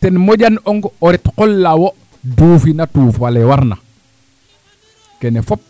ten moƴan'ong o ret qol laa wo duufin tuup ale warna kene fop